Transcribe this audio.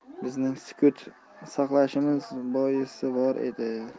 bizning sukut saqlashimizning boisi bor edi